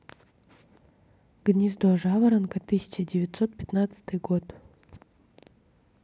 гнездо жаворонка тысяча девятьсот пятнадцатый год